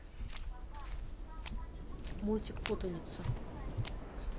мультик путаница